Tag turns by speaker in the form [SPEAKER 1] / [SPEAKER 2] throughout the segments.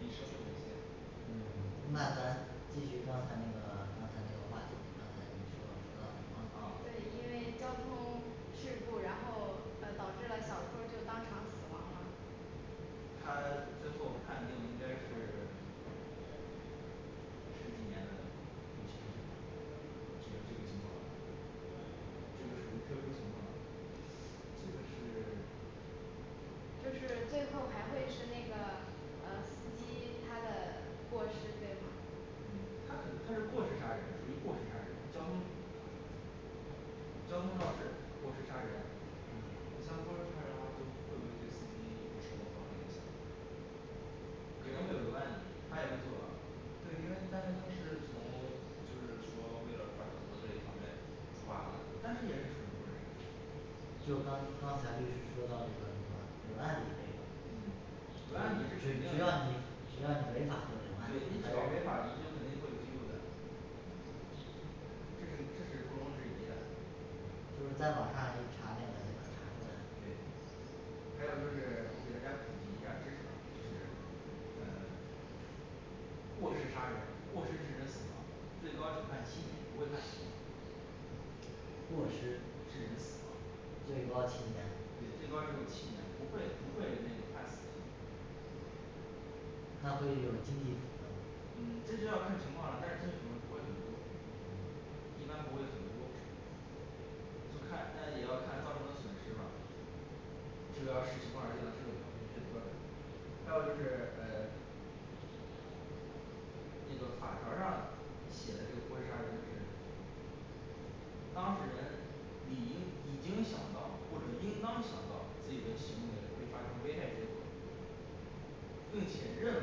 [SPEAKER 1] 嗯那咱继续刚才那个刚才那个话题刚才你说说的
[SPEAKER 2] 对因为交通事故，然后导致了小偷儿就当场死亡了
[SPEAKER 3] 那他最后判定应该是是一年的有期徒刑是这个情况这个属于特殊情况这个是
[SPEAKER 2] 就是最后还会是那个呃司机他的过失对吗
[SPEAKER 3] 他是他是过失杀人，属于过失杀人交通交通肇事过失杀人
[SPEAKER 1] 嗯
[SPEAKER 4] 那过失杀人就属于这什么法
[SPEAKER 3] 肯定会有个案底
[SPEAKER 4] 对因为他是他是从就是从为了反恐这一方面出发的
[SPEAKER 3] 但是也是
[SPEAKER 1] 就刚刚才律师说到的那个地方留案底那个
[SPEAKER 3] 留案底
[SPEAKER 1] 对
[SPEAKER 3] 就是，对
[SPEAKER 1] 只
[SPEAKER 3] 只要
[SPEAKER 1] 要你只要
[SPEAKER 3] 你
[SPEAKER 1] 你
[SPEAKER 3] 违
[SPEAKER 1] 违
[SPEAKER 3] 法
[SPEAKER 1] 法就会留案底
[SPEAKER 3] 你就肯定会有记录的这是这是不容置疑的
[SPEAKER 1] 就是在网上一查那个就能查出来
[SPEAKER 3] 对还有就是给大家普及一下知识就是呃 过失杀人，过失致人死亡。最高只判七年对不对
[SPEAKER 1] 过失致人死亡，最高七
[SPEAKER 3] 对
[SPEAKER 1] 年
[SPEAKER 3] 最高就是七年，不会不会那个判死刑
[SPEAKER 1] 它会有经济承担
[SPEAKER 3] 这就要看情况了，但是这就不会不会很多一般不会很多，就是看但是也要看造成的损失吧这个要视情况而定啊这个没有明确的标椎还有就是呃 这个法条上写的这个过失杀人就是当事人你应已经想到或者应当想到自己的行为会发生危害性并且认为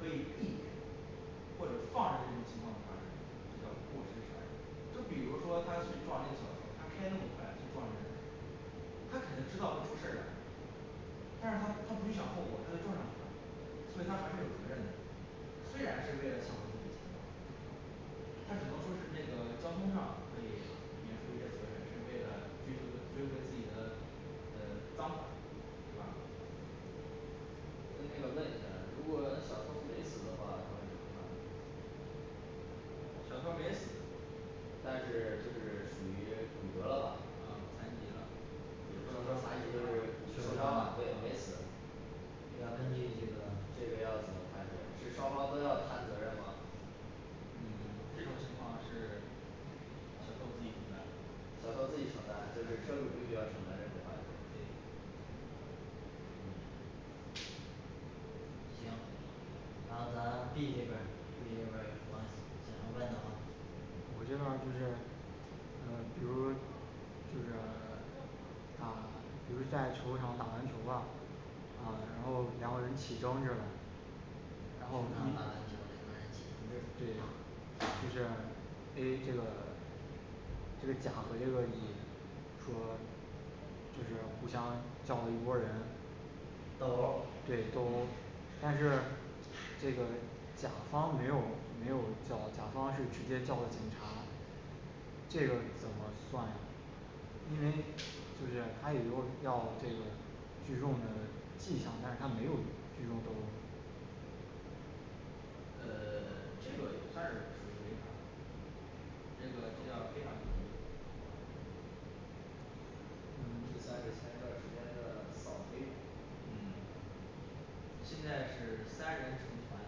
[SPEAKER 3] 可以避免或者放任这种情况发生这叫过失杀人那比如说他去撞一个小偷儿他开那么快去撞人他肯定知道会出事儿，但是他不他不去想后果他就撞上去了所以他还是有责任的。虽然是为了抢自己的钱它只能说是那个交通上可以负负一些责任是为了追求追求自己的呃章法，对吧？
[SPEAKER 5] 呃那个问一下儿啊，如果小偷儿没死的话他会怎么判
[SPEAKER 3] 小偷儿没死
[SPEAKER 5] 但是就是属于骨折了吧
[SPEAKER 3] 嗯残疾了
[SPEAKER 5] 也不能说残疾就
[SPEAKER 3] 受
[SPEAKER 5] 是受伤
[SPEAKER 3] 伤了
[SPEAKER 5] 了，对没死
[SPEAKER 3] 要根据这个
[SPEAKER 5] 这个要怎么判决，是双方都要摊责任吗
[SPEAKER 3] 这种情况是小偷自己承担嗯
[SPEAKER 5] 小偷儿自己承担，就是车主不需要承担任何法律责任
[SPEAKER 1] 行然后咱B这边儿B这边儿有什么想要问的吗
[SPEAKER 6] 我这边儿就是呃比如说就是打比如说在球场打篮球吧啊然后两个人起争执了然
[SPEAKER 1] 能
[SPEAKER 6] 后
[SPEAKER 1] 发生什么问题
[SPEAKER 6] 对就是A这个这个甲和这个乙说就是互相叫了一拨儿人
[SPEAKER 1] 斗殴
[SPEAKER 6] 对
[SPEAKER 1] 儿，
[SPEAKER 6] 斗殴儿，但是这个甲方没有没有叫，甲方是直接叫的警察这个怎么算啊，因为就是他有这种要这个聚众的迹象但是他没有聚众斗殴
[SPEAKER 3] 呃 这个他是属于违法这个叫非法聚众
[SPEAKER 5] 这算
[SPEAKER 6] 嗯
[SPEAKER 5] 是前一段儿时间的扫黑吧
[SPEAKER 3] 嗯现在是三人成团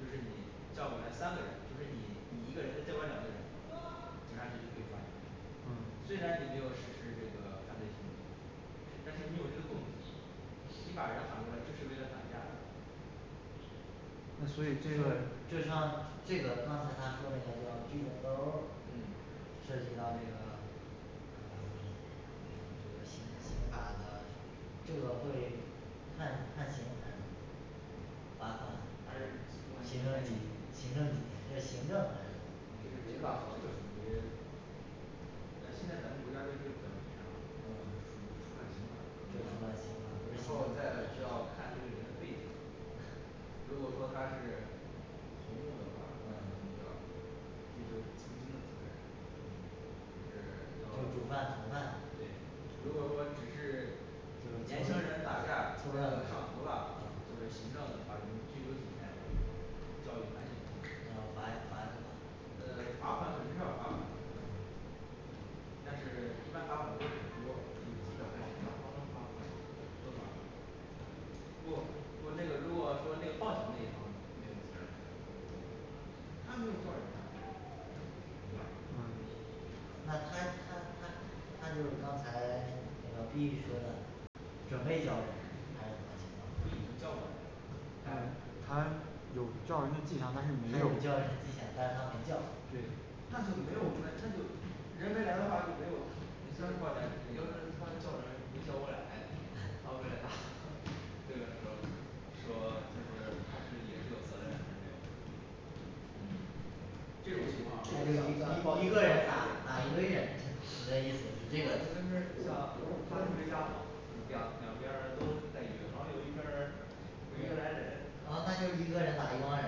[SPEAKER 3] 就是你叫过来三个人，就是你一个人再叫过来两个人警察就可以抓你了
[SPEAKER 6] 嗯
[SPEAKER 3] 虽然你没有实施这个犯罪行为，但是你有这个动机，你把人喊过来就是为了打架的
[SPEAKER 6] 那所以这个
[SPEAKER 1] 就像这个刚才他说那个叫聚众斗殴儿
[SPEAKER 3] 嗯
[SPEAKER 1] 涉及到这个嗯嗯这个刑刑法的这个会判判刑还是罚款还是行政行政这是行政
[SPEAKER 3] 这是民法那现在咱们国家对这个算刑法
[SPEAKER 1] 算刑法
[SPEAKER 3] 对啊五年后再需要判这个人的罪名如果说他是头目的话
[SPEAKER 1] 嗯
[SPEAKER 3] 就是要承担这个责任
[SPEAKER 1] 就是
[SPEAKER 3] 就
[SPEAKER 1] 不犯不犯法
[SPEAKER 3] 是对
[SPEAKER 5] 如果说只是
[SPEAKER 3] 呃年轻人打架上头了就是行政把你拘留几天叫你反省几天
[SPEAKER 1] 然后罚
[SPEAKER 3] 罚
[SPEAKER 1] 罚
[SPEAKER 3] 款肯定
[SPEAKER 1] 个款嗯
[SPEAKER 3] 要罚款但是一般罚款不会很多就几百块钱吧不罚款如果那个如果我要说这个报警那一方
[SPEAKER 1] 嗯
[SPEAKER 3] 他没有叫人呀
[SPEAKER 6] 呃
[SPEAKER 1] 那他他他他就是刚才B说的准备叫人呃
[SPEAKER 3] 准备
[SPEAKER 1] 行
[SPEAKER 3] 叫人
[SPEAKER 6] 他有叫人的迹象，
[SPEAKER 1] 只
[SPEAKER 6] 但是没
[SPEAKER 1] 有
[SPEAKER 6] 有对
[SPEAKER 1] 叫人的迹象但是他没叫人
[SPEAKER 6] 对
[SPEAKER 3] 那就没有责任那就人没来的话就没有
[SPEAKER 5] 这个状态什么罪
[SPEAKER 4] 就是他叫人人家不来他被挨打了这个 时候
[SPEAKER 5] 说
[SPEAKER 4] 说
[SPEAKER 5] 就
[SPEAKER 4] 就
[SPEAKER 5] 是
[SPEAKER 4] 是
[SPEAKER 5] 他
[SPEAKER 4] 他
[SPEAKER 5] 是
[SPEAKER 4] 是不是也
[SPEAKER 5] 什么
[SPEAKER 4] 有
[SPEAKER 5] 罪名
[SPEAKER 4] 责任
[SPEAKER 3] 这种情况
[SPEAKER 1] 某一个人打打一个月你的意思是这个，
[SPEAKER 6] 他就这样两两边儿都在一边，然后有一边儿一个人，
[SPEAKER 1] 然后那
[SPEAKER 6] 但但
[SPEAKER 1] 就
[SPEAKER 6] 是
[SPEAKER 1] 是
[SPEAKER 6] 如
[SPEAKER 1] 一
[SPEAKER 6] 果
[SPEAKER 1] 个人打一帮人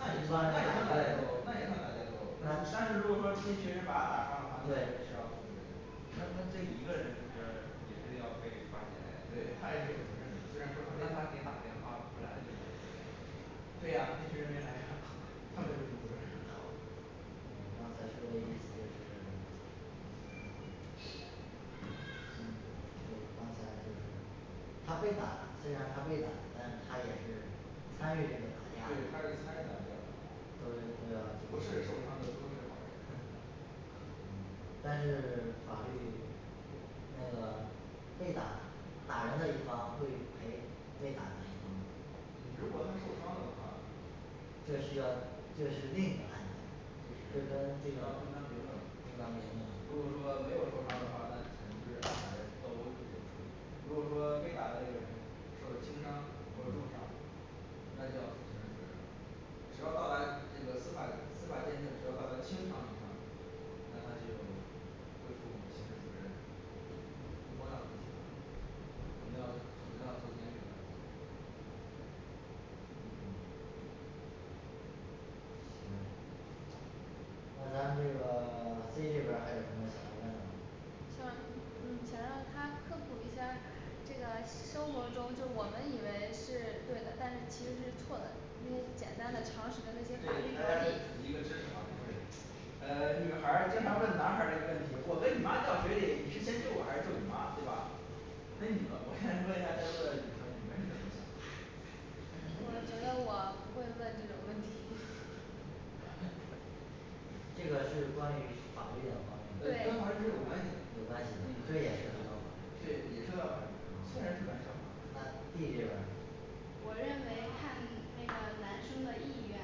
[SPEAKER 1] 对
[SPEAKER 6] 把他打伤的话
[SPEAKER 1] 对
[SPEAKER 6] 那那这一个人是也会要被抓起来
[SPEAKER 3] 对，他也是有责任的虽然
[SPEAKER 6] 人
[SPEAKER 3] 没
[SPEAKER 6] 家
[SPEAKER 3] 把
[SPEAKER 6] 打
[SPEAKER 3] 人
[SPEAKER 6] 电
[SPEAKER 3] 叫
[SPEAKER 6] 话
[SPEAKER 3] 出
[SPEAKER 6] 不
[SPEAKER 3] 来
[SPEAKER 6] 来
[SPEAKER 3] 对啊这群人没来他们有什么责任啊
[SPEAKER 1] 刚才说的意思就是嗯 嗯 就是刚才就是他被打虽然他被打，但是他也是参与这
[SPEAKER 3] 对呀他
[SPEAKER 1] 个打架
[SPEAKER 3] 是参与打架的
[SPEAKER 1] 不
[SPEAKER 3] 不
[SPEAKER 1] 是受伤
[SPEAKER 3] 是受伤的都是好人
[SPEAKER 1] 但是 法律那个被打打人的一方会赔被打人的一方吗
[SPEAKER 3] 如果他受伤了的话
[SPEAKER 1] 这是要这是另一个案件就跟这个
[SPEAKER 3] 另当别论了
[SPEAKER 1] 另当别
[SPEAKER 3] 如果
[SPEAKER 1] 论
[SPEAKER 3] 说没有受伤的话，那肯定就是如果说被打的那个人，受了轻伤或者重伤
[SPEAKER 1] 嗯
[SPEAKER 3] 那就要负刑事责任只要到达这个司法司法鉴定只要达到轻伤那他就要负刑事责任不光要赔钱可能要可能上都容易坐牢
[SPEAKER 1] 嗯行那咱们这个 C这边儿还有什么想要问的吗
[SPEAKER 7] 想嗯想让他科普一下儿，这个生活中就我们以为是对的，但是其实是错的，那些简单的常识
[SPEAKER 3] 对给大
[SPEAKER 7] 的那些法律条
[SPEAKER 3] 家普及一个
[SPEAKER 7] 例
[SPEAKER 3] 知识啊就是呃女孩儿经常问男孩儿这个问题，我跟你妈掉水里，你是先救我还是救你妈对吧？为什么，我现在问一下儿 在座的你们是怎么想的
[SPEAKER 2] 我觉得我 不会问这种问题
[SPEAKER 1] 这个是关于法律的吗，
[SPEAKER 3] 跟法
[SPEAKER 2] 对
[SPEAKER 3] 律是
[SPEAKER 1] 有
[SPEAKER 3] 有
[SPEAKER 1] 关
[SPEAKER 3] 关
[SPEAKER 1] 系
[SPEAKER 3] 系的，，嗯
[SPEAKER 1] 这
[SPEAKER 3] 是
[SPEAKER 1] 也是要法
[SPEAKER 3] 也是要承
[SPEAKER 1] 律
[SPEAKER 3] 担
[SPEAKER 1] 嗯那
[SPEAKER 3] 法律的
[SPEAKER 1] D这边儿
[SPEAKER 2] 我认为看那个男生的意愿，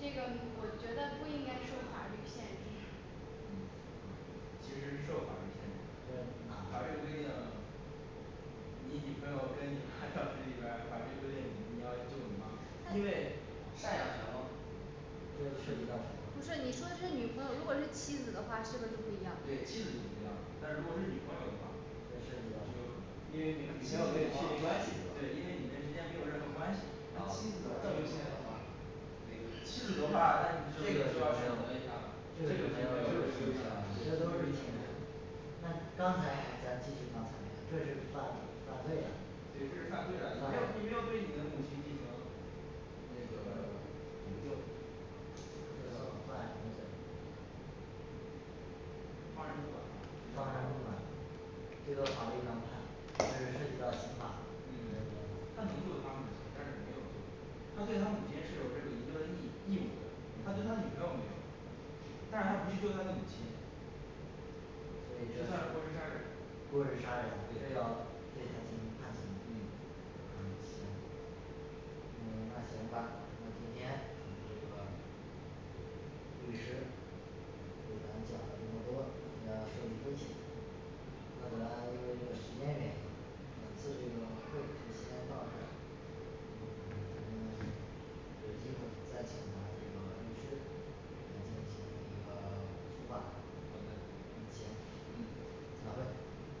[SPEAKER 2] 这个我觉得不应该受法律限制
[SPEAKER 3] 其实是受法律限制
[SPEAKER 1] 对
[SPEAKER 3] 而且规定你女朋友跟你妈掉水里边儿 法律规定你要救你妈？因为
[SPEAKER 5] 赡养权吗
[SPEAKER 1] 都涉及到
[SPEAKER 7] 不是
[SPEAKER 1] 什么
[SPEAKER 7] 你说这是女朋友如果是妻子的话是不是就不一样
[SPEAKER 3] 对妻子就不一样了但如果是女朋友的话就有可能对因
[SPEAKER 5] 因
[SPEAKER 3] 为
[SPEAKER 5] 为
[SPEAKER 3] 你
[SPEAKER 5] 女女
[SPEAKER 3] 们之间
[SPEAKER 5] 朋友没有确立关系是吧
[SPEAKER 3] 没有任何关系妻子的话就
[SPEAKER 4] 这
[SPEAKER 3] 没有
[SPEAKER 4] 个主要我想问一下
[SPEAKER 3] 了
[SPEAKER 4] 啊
[SPEAKER 5] 那都是钱
[SPEAKER 1] 那刚才你的例子嗯这是犯犯罪
[SPEAKER 3] 对
[SPEAKER 1] 了
[SPEAKER 3] 这是犯罪了你没有你没有对你的母亲进行那个
[SPEAKER 5] 营救
[SPEAKER 1] 这个犯什么罪
[SPEAKER 3] 中华人民国法
[SPEAKER 1] 这个法律上判它是涉及到刑法嗯
[SPEAKER 3] 他没救他母亲他对他母亲是有这个义义务的。但对他女
[SPEAKER 1] 嗯
[SPEAKER 3] 朋友没有但是他不去救他的母亲
[SPEAKER 1] 所以就
[SPEAKER 3] 这算是过失杀人
[SPEAKER 1] 过失杀人这个
[SPEAKER 3] 对
[SPEAKER 1] 要对他进行判刑行，嗯，那行吧，那今天这个律师你刚才讲的这么多让大家受益匪浅要不然因为那个时间原因，本次这个会就先到这儿咱们有机会再请咱这个律师来进行
[SPEAKER 3] 好
[SPEAKER 1] 一个
[SPEAKER 3] 的
[SPEAKER 1] 普法
[SPEAKER 3] 嗯
[SPEAKER 1] 行散会